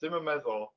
Dwi'm yn meddwl.